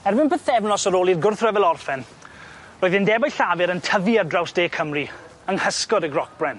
erbyn pythefnos ar ôl i'r gwrthryfel orffen roedd undebau llafur yn tyfu ar draws De Cymru yng nghysgod y grocbren.